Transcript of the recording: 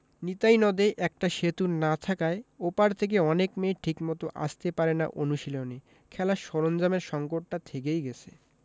নিতাই নদে একটা সেতু না থাকায় ও পার থেকে অনেক মেয়ে ঠিকমতো আসতে পারে না অনুশীলনে খেলার সরঞ্জামের সংকটটা থেকেই গেছে